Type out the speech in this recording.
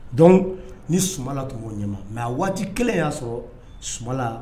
Don ni su tun' ɲɛ mɛ a waati kelen y'a sɔrɔ sula